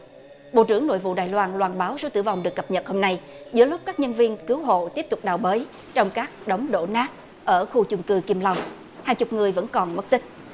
bộ trưởng nội vụ đài loan loan báo số tử vong được cập nhật hôm nay giữa lúc các nhân viên cứu hộ tiếp tục đào bới trong các đống đổ nát ở khu chung cư kim long hàng chục người vẫn còn mất tích